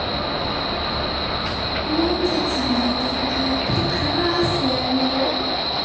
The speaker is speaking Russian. умница моя дорогая прекрасная моя